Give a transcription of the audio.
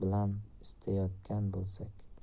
yurak bilan istayotgan bo'lsak